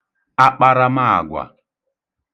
akparamaàgwà